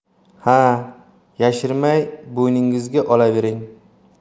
ha yashirmay bo'yningizga olavering